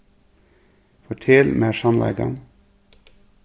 fortel mær sannleikan